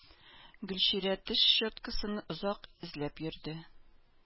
Гөлчирә теш щеткасын озак эзләп йөрде.